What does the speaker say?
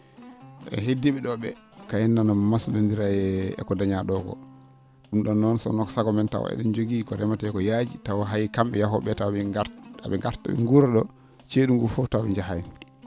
heddii?e ?o ?e kayen nana maslonndira e e ko dañaa ?oo ko ?um ?oon noon sinno ko sago men tawa e?en jogii ko remetee e ko yaaji tawa hay kam?e yahoo?e tawa e?e gart e?e garta e?e nguura ?oo cee?u nguu fof taw njahaani